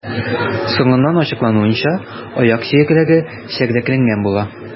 Соңыннан ачыклануынча, аяк сөякләре чәрдәкләнгән була.